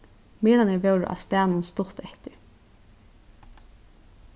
miðlarnir vóru á staðnum stutt eftir